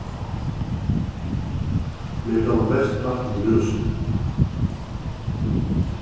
mær dámar best vatn við brúsi